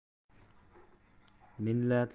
minnatli norindan och